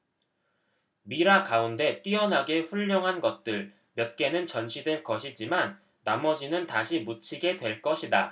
미라 가운데 뛰어나게 훌륭한 것들 몇 개는 전시될 것이지만 나머지는 다시 묻히게 될 것이다